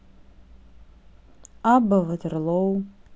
абба ватерлоу